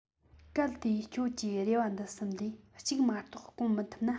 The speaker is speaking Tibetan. གལ ཏེ ཁྱོད ཀྱི རེ བ འདི གསུམ ལས གཅིག མ གཏོགས སྐོང མི ཐུབ ན